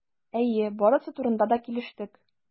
Әйе, барысы турында да килештек.